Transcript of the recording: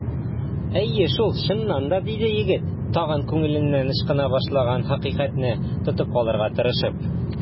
Әйе шул, чыннан да! - диде егет, тагын күңеленнән ычкына башлаган хакыйкатьне тотып калырга тырышып.